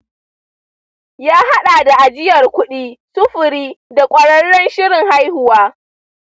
ya haɗa da ajiyar kuɗi, sufuri, da ƙwararren shirin haihuwa